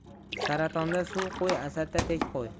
saratonda suv qo'y asadda tek qo'y